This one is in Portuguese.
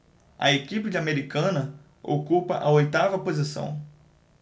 a equipe de americana ocupa a oitava posição